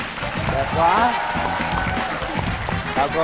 đẹp quá chào cô